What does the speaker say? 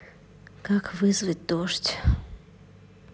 как вызвать дождь